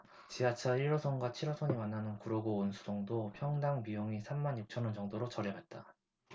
지하철 일 호선과 칠 호선이 만나는 구로구 온수동도 평당 비용이 삼 만 육천 원 정도로 저렴했다